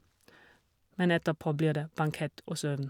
Men etterpå blir det bankett og søvn.